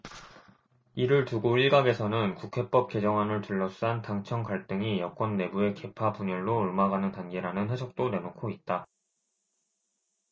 이를 두고 일각에서는 국회법 개정안을 둘러싼 당청 갈등이 여권 내부의 계파 분열로 옮아가는 단계라는 해석도 내놓고 있다